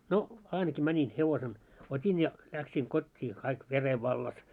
no ainakin menin hevosen otin ja lähdin kotiin kaikki veren vallassa